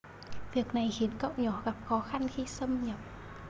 việc này khiến cậu nhỏ gặp khó khăn khi xâm nhập